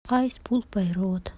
айс пул пайрот